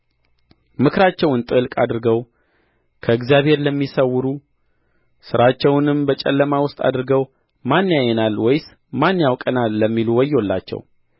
ምክራቸውን ጥልቅ አድርገው ከእግዚአብሔር ለሚሰውሩ ሥራቸውንም በጨለማ ውስጥ አድርገው ማን ያየናል ወይስ ማን ያውቀናል ለሚሉ ወዮላቸው